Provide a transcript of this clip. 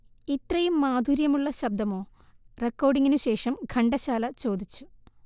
'ഇത്രയും മാധുര്യമുള്ള ശബ്ദമോ' റെക്കോർഡിംഗിന് ശേഷം ഘണ്ടശാല ചോദിച്ചു